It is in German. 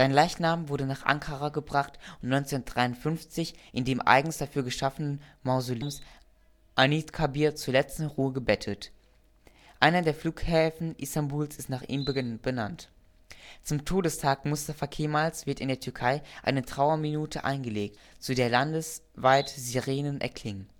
Leichnam wurde nach Ankara gebracht und 1953 in dem eigens dafür geschaffenen Mausoleum „ Anıtkabir “zur letzten Ruhe gebettet. Einer der Flughäfen Istanbuls ist nach ihm benannt. Zum Todestag Mustafa Kemals wird in der Türkei eine Trauerminute eingelegt, zu der landesweit Sirenen erklingen